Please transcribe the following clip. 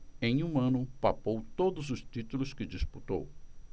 em um ano papou todos os títulos que disputou